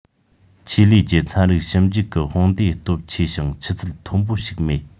ཆེད ལས ཀྱི ཚན རིག ཞིབ འཇུག གི དཔུང སྡེ སྟོབས ཆེ ཞིང ཆུ ཚད མཐོན པོ ཞིག མེད